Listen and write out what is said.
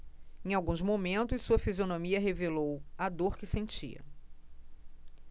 em alguns momentos sua fisionomia revelou a dor que sentia